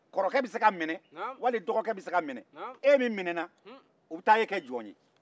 kɔrɔcɛ bɛ se ka minɛ wali dɔgɔcɛ bɛ se ka minɛ e min mina na u bɛ taa e kɛ jɔn ye